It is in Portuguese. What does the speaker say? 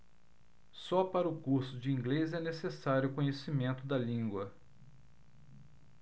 só para o curso de inglês é necessário conhecimento da língua